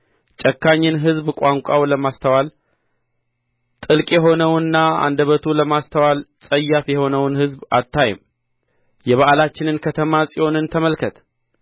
ጨካኝን ሕዝብ ቋንቋው ለማስተዋል ጥልቅ የሆነውንና አንደበቱ ለማስተዋል ጸያፍ የሆነውን ሕዝብ አታይም የበዓላችንን ከተማ ጽዮንን ተመልከት